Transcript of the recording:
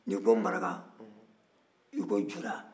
n'i ko maraka i ko jula